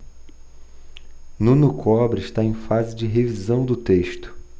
nuno cobra está em fase de revisão do texto